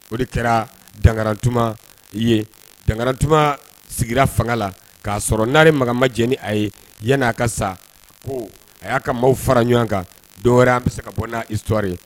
O de kɛraa Daŋaratuma ye Daŋaratuma sigira fanga la k'a sɔrɔ Nare Magan ma diɲɛ ni a ye yan'a ka sa ko a y'a ka maaw fara ɲɔan kan don wɛrɛ an be se ka bɔ n'a histoire ye